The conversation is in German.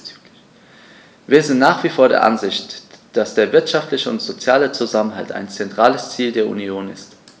Wir sind nach wie vor der Ansicht, dass der wirtschaftliche und soziale Zusammenhalt ein zentrales Ziel der Union ist.